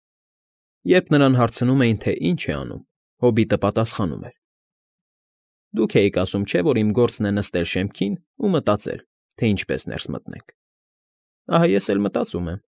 Երբ նրան հարցնում էին, թե ինչ է անում, հոբիտը պատասխանում էր. ֊ Դուք էիք ասում, չէ՞, որ իմ գործն է նստել շեմքին ու մտածել, թե ինչպես ներս մտնենք, ահա ես էլ մտածում եմ։